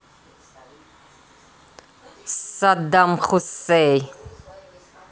саддам хусей